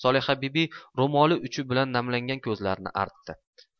solihabibi ro'moli uchi bilan namlangan ko'zlarini artdi